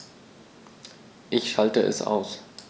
Ich schalte es aus.